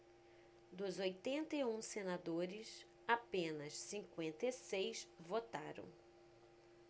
dos oitenta e um senadores apenas cinquenta e seis votaram